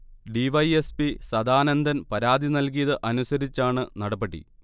D. Y. S. P. Sadanandan പരാതി നൽകിയത് അനുസരിച്ചാണ് നടപടി